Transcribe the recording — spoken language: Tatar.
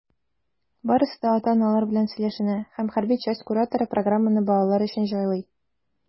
Барысы да ата-аналар белән сөйләшенә, һәм хәрби часть кураторы программаны балалар өчен җайлый.